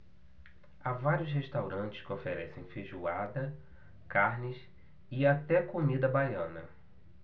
há vários restaurantes que oferecem feijoada carnes e até comida baiana